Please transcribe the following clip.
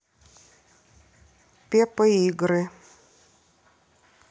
пеппа игры